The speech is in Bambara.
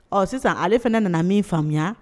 Ɔ sisan ale fana nana min faamuya